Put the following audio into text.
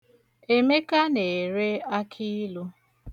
Emeka na-ere akiilu.